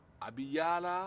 a bɛ yala